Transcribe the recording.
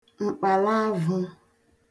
m̀kpàlaavụ̄